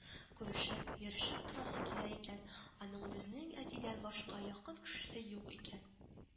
Күрешеп, йөрешеп торасы килә икән, аның безнең әтидән башка якын кешесе юк икән